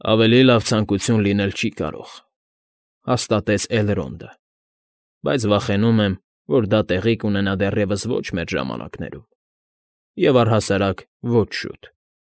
Ավելի լավ ցանկություն լինել չի կարող,֊ հաստատեց Էլրոնդը,֊ բայց վախենում եմ, որ դա տեղի կունենա դեռևս ոչ մեր ժամանակներում, և առհասարակ ոչ շուտ։